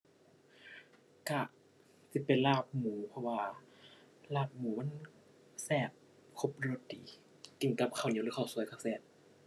ก็สิเป็นลาบหมู เพราะว่าลาบหมูมันแซ่บ ครบรสดี กินกับข้าวเหนียวหรือข้าวสวยก็แซ่บ